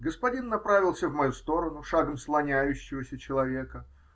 Господин направился в мою сторону шагом слоняющегося человека.